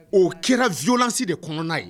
O kɛra zolasi de kɔnɔnana ye